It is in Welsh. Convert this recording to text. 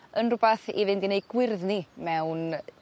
Yn rwbath i fynd i neud gwyrddni mewn